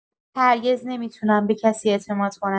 هرگز نمی‌تونم به کسی اعتماد کنم.